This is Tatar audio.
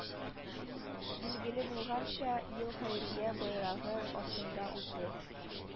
Билгеле булганча, ел хәйрия байрагы астында узды